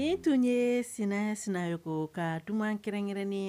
Nin tun ye Sinɛ Sinayogo ka duman kɛrɛnkɛrɛnnen ye